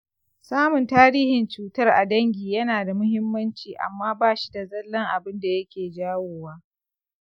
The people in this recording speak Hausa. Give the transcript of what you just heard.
samun tarihin cutar a dangi yana da muhummanci amma bashi ne zallan abunda yake jawowa ba.